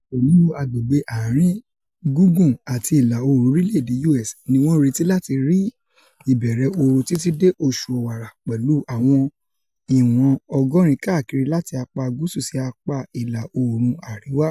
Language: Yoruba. Ọ̀pọ̀ nínú agbègbè ààrin gungun àti ìlà-oòrùn orílẹ̀-èdè U.S. ní wọ́n ń retí láti rí ìbẹ̀rẹ̀ ooru títí dé oṣù Ọ̀wàrà pẹ̀lú àwọn ìwọ̀n ọgọ́rin káàkiri láti apá Gúúsù sí apá Ìlà-oòrùn Àríwá.